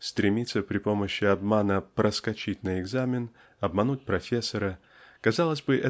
стремится при помощи обмана "проскочить" на экзамене обмануть профессора -- казалось бы